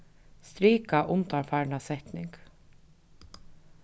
strika undanfarna setning